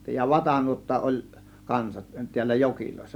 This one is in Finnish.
ja vatanuotta oli kanssa täällä joissa